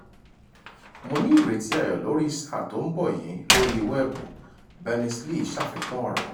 "Mó ní ìrétí ayọ lórí sáà tó ń bọ̀ yìí lórí wẹ́ẹ̀bù,” Bermers-Lee ṣàfikún ọ̀rọ̀.